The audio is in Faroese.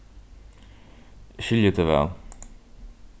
eg skilji teg væl